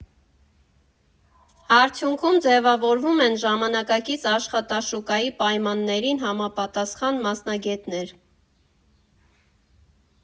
Արդյունքում ձևավորվում են ժամանակակից աշխատաշուկայի պայմաններին համապատասխան մասնագետներ։